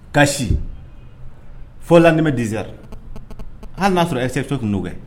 Kasi fɔ latɛmɛ dizyara an y'a sɔrɔ e so tun'o kɛ